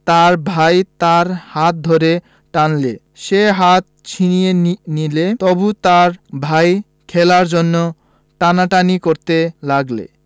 তার ভাই তার হাত ধরে টানলে সে হাত ছিনিয়ে নিলে তবু তার ভাই খেলার জন্যে টানাটানি করতে লাগলে